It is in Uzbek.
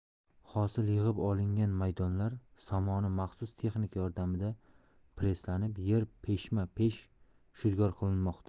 hosil yig'ib olingan maydonlar somoni maxsus texnika yordamida presslanib yer peshma pesh shudgor qilinmoqda